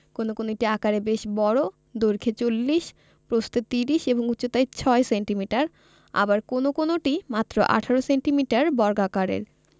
কোন কোনটি আকারে বেশ বড় দৈর্ঘ্যে ৪০ প্রস্থে ৩০ এবং উচ্চতায় ৬ সেন্টিমিটার আবার কোন কোনটি মাত্র ১৮ সেন্টিমিটার বর্গাকারের